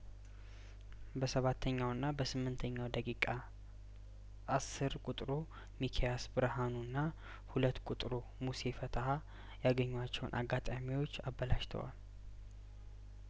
በሰባተኛውና በስምንተኛው ደቂቃዎች አስር ቁጥሩ ሚኪ ያስብርሀኑና ሁለት ቁጥሩ ሙሴ ፈት ሀያ ገኟቸውን አጋጣሚዎች አበላሽተዋል